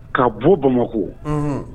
Ka bon bamakɔ